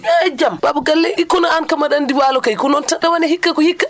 i jam baaba galle i kono aan kam aɗa anndi waalo kay ko noon tan rawani e hikka ko hikka